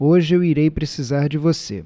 hoje eu irei precisar de você